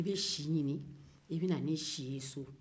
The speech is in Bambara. i bɛ si ɲinin i bɛ na ni si ye so